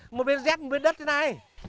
một bên dép một bên đất thế này